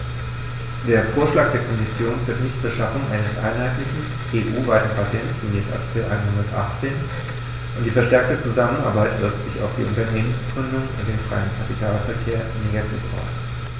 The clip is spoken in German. Der Vorschlag der Kommission führt nicht zur Schaffung eines einheitlichen, EU-weiten Patents gemäß Artikel 118, und die verstärkte Zusammenarbeit wirkt sich auf die Unternehmensgründung und den freien Kapitalverkehr negativ aus.